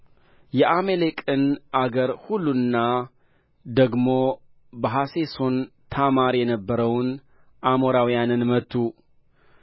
የአማሌቅን አገር ሁሉና ደግሞ በሐሴሶን ታማር የነበረውን አሞራውያንን መቱ